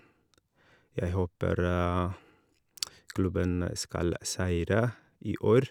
Jeg håper klubben skal seire i år.